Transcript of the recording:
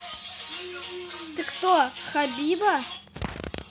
ты кто хабиба